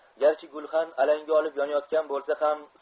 garchi gulxan alanga olib yonayotgan bo'lsa ham